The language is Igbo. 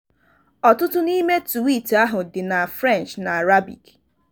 Ọtụtụ n'ime twiit ahụ dị na French na Arabic.